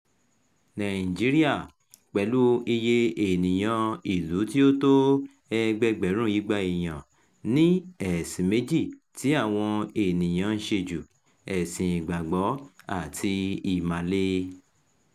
Nàìjíríà, pẹ̀lú iye ènìyàn ìlú tí ó tó ẹgbẹẹgbẹ̀rún 200 èèyàn, ní ẹ̀sìn méjì tí àwọn ènìyàn-án ń ṣe jù: ẹ̀sìn Ìgbàgbọ́ àti Ìmàle.